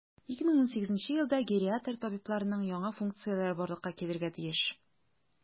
2018 елда гериатр табибларның яңа функцияләре барлыкка килергә тиеш.